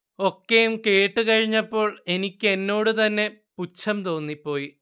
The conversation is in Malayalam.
ഒക്കേം കേട്ടുകഴിഞ്ഞപ്പോൾ എനിക്കെന്നോടു തന്നെ പുച്ഛം തോന്നിപ്പോയി